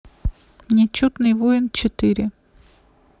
нечетный воин четыре